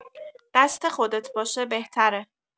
دست خودت باشه بهتره